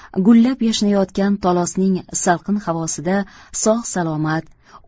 gullab yashnayotgan tolosning salqin havosida sog' salomat